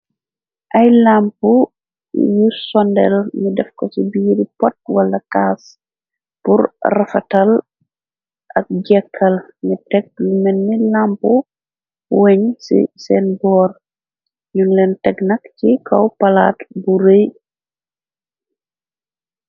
Ay lamp yu sondel ni def ko ci biiri pot wala kass pirr rafatal ak jekkal ñi teg lu menni lamp weñ ci sèèn bor ñun leen tèg nak ci kaw palat bu rèy.